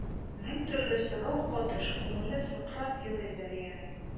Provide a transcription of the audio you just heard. Мең төрле сорау катыш күңеле сыкрап елый Зәриянең.